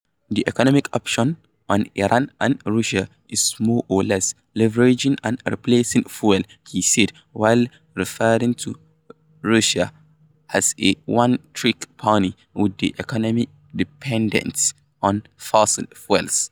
"The economic option on Iran and Russia is, more or less, leveraging and replacing fuels," he said, while referring to Russia as a "one trick pony" with an economy dependent on fossil fuels.